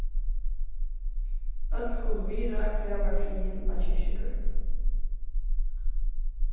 øll skulu virða gravarfriðin á kirkjugørðunum